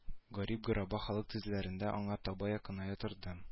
Гарип-гораба халык тезләрендә аңа таба якыная торды